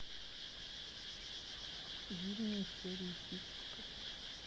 зимние серии фиксиков